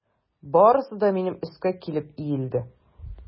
Барысы да минем өскә килеп иелде.